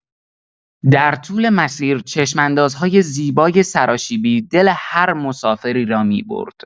در طول مسیر، چشم‌اندازهای زیبای سراشیبی دل هر مسافری را می‌برد.